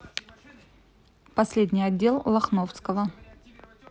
последний отдел лахновского